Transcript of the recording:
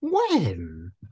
When?